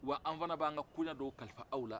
wa an fɛnɛ b'an ka koɲɛ dɔw kalifa aw la